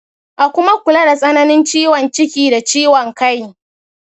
a kuma kula da tsananin ciwon ciki da ciwon kai.